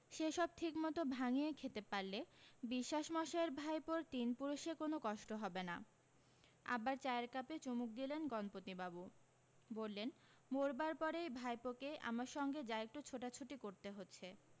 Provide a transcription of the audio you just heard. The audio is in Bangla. সে সব ঠিক মতো ভাঙিয়ে খেতে পারলে বিশ্বাস মশায়ের ভাইপোর তিন পুরুষে কোনো কষ্ট হবে না আবার চায়ের কাপে চুমুক দিলেন গণপতিবাবু বললেন মরবার পরেই ভাইপোকে আমার সঙ্গে যা একটু ছোটাছুটি করতে হচ্ছে